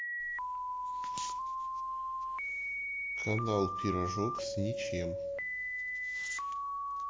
канал пирожок с ничем